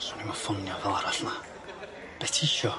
Swn ni'm yn ffonio fel arall na? Be' ti isio?